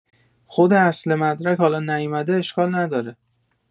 خود اصل مدرک حالا نیومده اشکال نداره